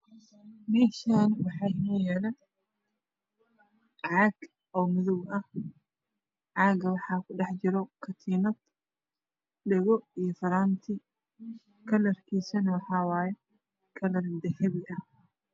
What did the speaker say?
Meshan waxaa inooyaalo caag oomadowah caaga waxaa kudhejiro katiinad iyo dhago iyo faranti kalarkiisane waxaa waayo dahabi